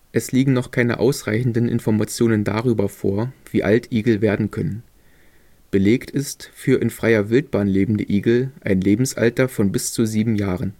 Es liegen noch keine ausreichenden Informationen darüber vor, wie alt Igel werden können. Belegt ist für in freier Wildbahn lebende Igel ein Lebensalter von bis zu sieben Jahren